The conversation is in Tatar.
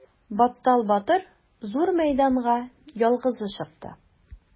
Баттал батыр зур мәйданга ялгызы чыкты.